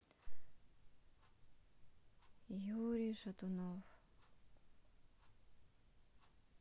юрий шатунов